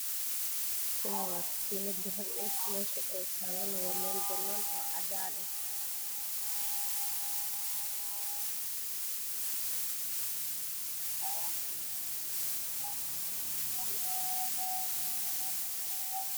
Tani waa katinad dahab ah meshay talana waa meel cadan eh